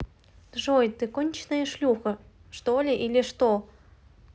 джой ты конченная шлюха что ли или что